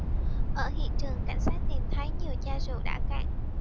ở hiện trường cảnh sát tìm thấy nhiều chai rượu đã cạn